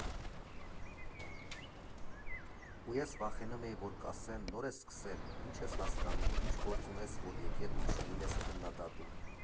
Ու ես վախենում էի, որ կասեն՝ նոր ես սկսել, ի՞նչ ես հասկանում, ի՞նչ գործ ունես, որ եկել ուրիշներին ես քննադատում։